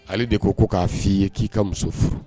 Ale de ko k'a f' ii ye k'i ka muso furu